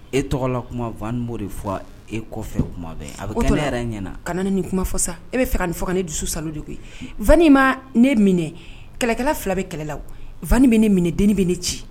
E tɔgɔla kuma Van b'o de fɔ e kɔfɛ kuma bɛ a be kɛ ne o to la yɛrɛ ɲɛna kana ni nin kuma fɔ sa e be fɛ ka nin fɔ ka ne dusu salo de koyi Vani maa ne minɛ kɛlɛkɛla 2 be kɛlɛ la o Van be ne minɛ deni be ne ci